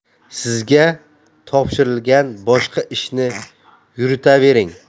sizga topshirilgan boshqa ishni yuritavering